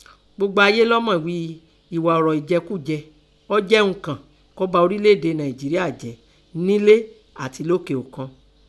Gbogbo ayé lọ́ mọ̀ ghíi ọ̀rọ̀ ìnghà ejẹkújẹ jẹ́ ihun kàn kọ́ ba ọrúkọ Nàìnjeríà jẹ nẹlé àti lókè òkun.